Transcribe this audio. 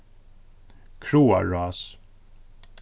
kráarrás